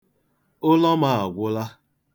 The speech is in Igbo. Ụlọ m agwụla.